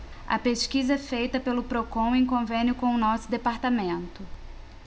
a pesquisa é feita pelo procon em convênio com o diese